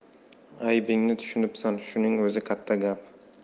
aybingni tushunibsan shuning o'zi katta gap